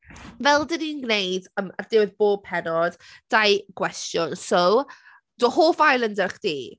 Fel dan ni'n gwneud, yym ar ddiwedd bob pennod, dau gwestiwn, so dy hoff islander chdi?